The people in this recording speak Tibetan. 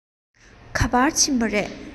ག པར ཕྱིན པ རེད